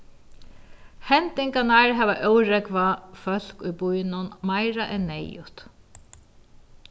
hendingarnar hava órógvað fólk í býnum meira enn neyðugt